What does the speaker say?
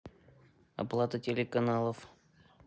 оплата телеканалов